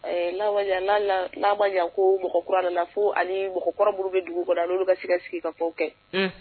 N n'a' ko mɔgɔ kura nana fo ani mɔgɔɔrɔn b bɛ dugu kɔnɔ ale olu ka sigi sigi ka fɔ kɛ